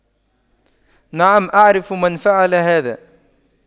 نعم اعرف من فعل هذا